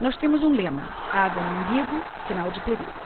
nós temos um lema água no umbigo sinal de perigo